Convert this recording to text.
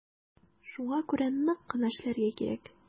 Шуңа күрә нык кына эшләргә кирәк.